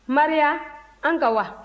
maria an ka wa